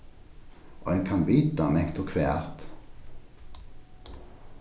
ein kann vita mangt og hvat